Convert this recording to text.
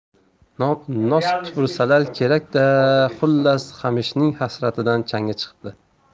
nos tupursalar kerak da a xullas qamishning hasratidan chang chiqibdi